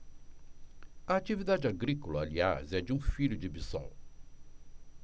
a atividade agrícola aliás é de um filho de bisol